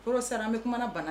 Yɔrɔ sara bɛ kumaumana bana